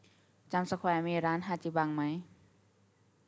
จามสแควร์มีร้านฮาจิบังไหม